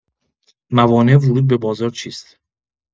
موانع ورود به بازار چیست؟